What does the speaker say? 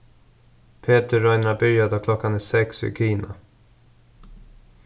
petur roynir at byrja tá klokkan er seks í kina